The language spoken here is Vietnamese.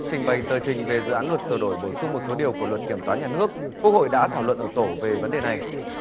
trình bày tờ trình về dự án luật sửa đổi bổ sung một số điều của luật kiểm toán nhà nước quốc hội đã thảo luận ở tổ về vấn đề này